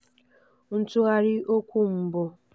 Ntụgharị Okwu Mbụ